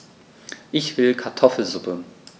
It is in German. Ich will Kartoffelsuppe.